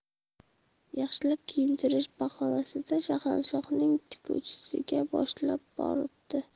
yaxshilab kiyintirish bahonasida shahanshohning tikuvchisinikiga boshlab boribdi